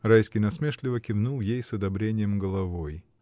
Райский насмешливо кивнул ей с одобрением головой.